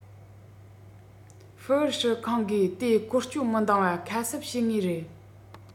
ཧྥུའུ ཧྲི ཁང གིས དེ བཀོལ སྤྱོད མི འདང བ ཁ གསབ བྱེད ངེས རེད